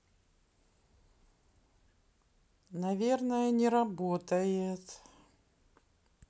наверное не работает